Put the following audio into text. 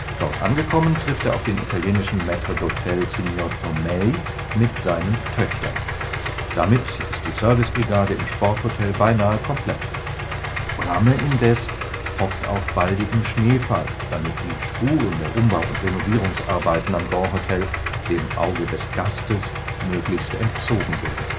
Dort angekommen trifft er auf den italienischen Maître d’ hôtel Signor Thommay mit seinen Töchtern – damit ist die Servicebrigade im Sporthotel beinahe komplett. Bramme indes hofft auf baldigen Schneefall, damit die Spuren der Umbau - und Renovierungsarbeiten am Grand-Hotel dem Auge des Gastes möglichst entzogen werden